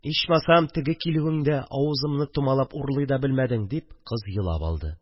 – ичмасам, теге килүеңдә авызымны томалап урлый да белмәдең, – дип кыз елап алды